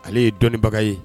Ale ye dɔnnibaga ye